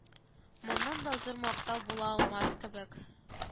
Моннан да зур мактау була алмас кебек